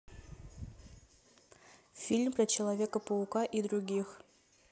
фильм про человека паука и других